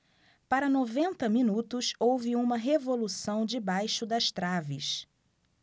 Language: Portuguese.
para noventa minutos houve uma revolução debaixo das traves